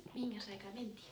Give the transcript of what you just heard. mihinkäs aikaan mentiin